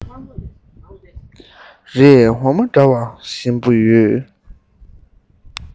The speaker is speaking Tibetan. རེད འོ མ འདྲ བ ཞིམ པོ ཡོད